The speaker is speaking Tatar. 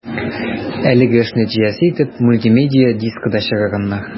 Әлеге эш нәтиҗәсе итеп мультимедия дискы да чыгарганнар.